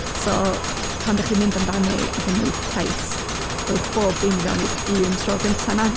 So, pan dych chi'n mynd amdani ac yn wneud cais, rhowch bob dim i fewn i'r un tro gynta 'na...